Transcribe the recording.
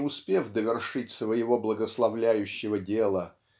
не успев довершить своего благословляющего дела